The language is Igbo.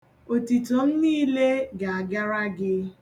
Otito m niile ga-agara gị.